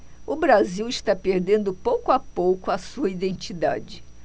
o brasil está perdendo pouco a pouco a sua identidade